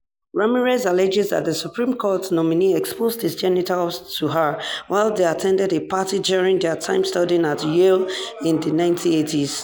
Ramirez alleges that the Supreme Court nominee exposed his genitals to her while they attended a party during their time studying at Yale in the 1980s.